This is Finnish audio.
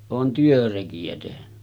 olen työrekiä tehnyt